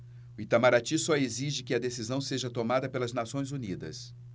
o itamaraty só exige que a decisão seja tomada pelas nações unidas